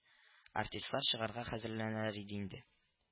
Артистлар чыгарга хәзерләнәләр иде инде